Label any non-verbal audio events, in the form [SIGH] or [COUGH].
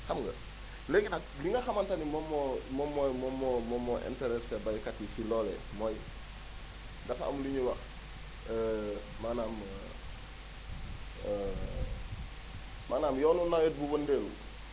xam nga léegi nga li nga xamante ni moom moo moom moo moom moo moo interessé baykat yi si loolee mooy dafa am lu ñuy wax [HESITATION] maanaam [HESITATION] maanaam yoonu nawet bu wëndeelu